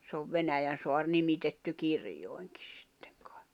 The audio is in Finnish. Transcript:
se on Venäjänsaari nimitetty kirjoihinkin sitten kai